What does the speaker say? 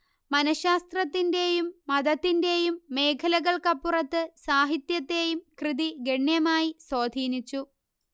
മനഃശാസ്ത്രത്തിന്റേയും മതത്തിന്റേയും മേഖലകൾക്കപ്പുറത്ത് സാഹിത്യത്തേയും കൃതി ഗണ്യമായി സ്വാധീനിച്ചു